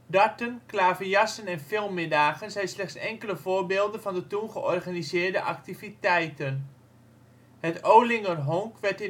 Darten, klaverjassen en filmmiddagen zijn slechts enkele voorbeelden van de toen georganiseerde activiteiten. Het ' Olinger Honk ' werd